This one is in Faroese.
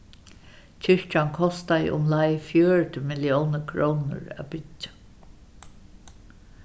kirkjan kostaði umleið fjøruti milliónir krónur at byggja